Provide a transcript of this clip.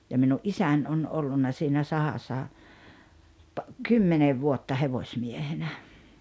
ja minun isäni on ollut siinä sahassa - kymmenen vuotta hevosmiehenä